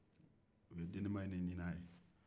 u ye deninba inn de ɲini a ye